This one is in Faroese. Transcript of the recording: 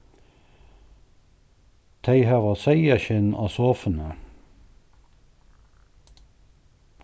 tey hava seyðaskinn á sofuni